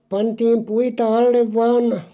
pantiin puita alle vain